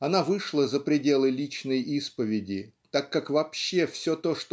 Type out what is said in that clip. она вышла за пределы личной исповеди так как вообще все то